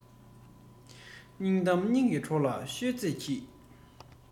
སྙིང གཏམ སྙིང གི གྲོགས ལ ཤོད ཚོད གྱིས